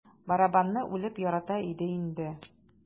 Барабанны үлеп ярата иде инде.